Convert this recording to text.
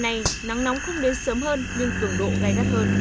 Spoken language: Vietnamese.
này nắng nóng không đến sớm hơn nhưng cường độ gay gắt hơn